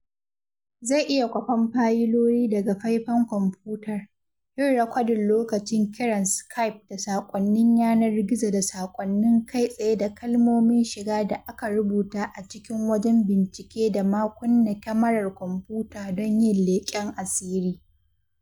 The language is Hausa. Zai iya kwafan fayiloli daga faifin kwamfutar, yin rikodin lokacin ƙiran Skype da saƙonnin yanar gizo da saƙonnin kai tsaye da kalmomin shiga da aka rubuta a cikin wajen bincike da ma kunna kyamarar kwamfuta don yin leƙen asiri.